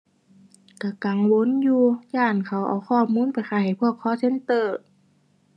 ก็กังวลอยู่ ย้านเขาเอาข้อมูลไปขายให้พวก call center